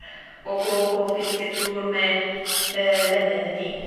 Og gå på fisketur med vennene dine.